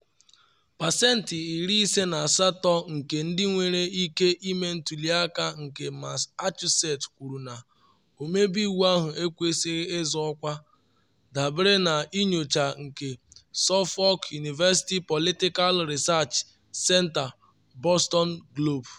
Pesentị Iri ise na asatọ nke “ndị nwere ike” ime ntuli aka nke Massachusetts kwuru na ọmebe iwu ahụ ekwesịghị ịzọ ọkwa, dabere na nyocha nke Suffolk University Poilitical Research Center/Boston Globe.